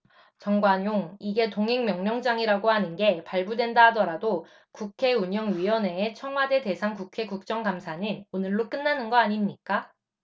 정관용 이게 동행명령장이라고 하는 게 발부된다 하더라도 국회 운영위원회의 청와대 대상 국회 국정감사는 오늘로 끝나는 거 아닙니까